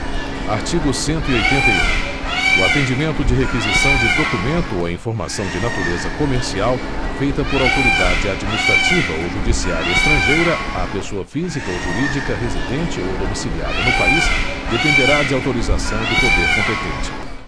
artigo cento e oitenta e um o atendimento de requisição de documento ou informação de natureza comercial feita por autoridade administrativa ou judiciária estrangeira a pessoa física ou jurídica residente ou domiciliada no país dependerá de autorização do poder competente